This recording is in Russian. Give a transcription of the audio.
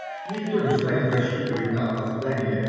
никто не станет рассчитывать на опоздание.